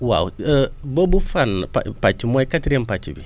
waaw boobu fànn pàcc mooy quatrième pàcc bi